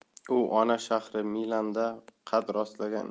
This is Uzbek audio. u ona shahri milanda qad rostlagan